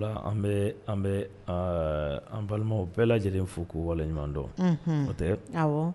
An bɛ an bɛ an balimaw bɛɛ lajɛlen fo k'u walaɲumandɔn o tɛ